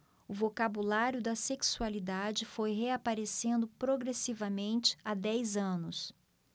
o vocabulário da sexualidade foi reaparecendo progressivamente há dez anos